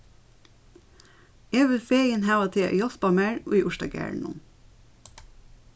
eg vil fegin hava teg at hjálpa mær í urtagarðinum